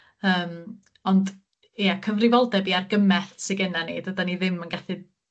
yym ond ia cyfrifoldeb i argymell sy gennan ni dydan ni ddim yn gallu